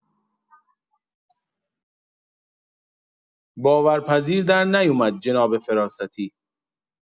باورپذیر درنیومد جناب فراستی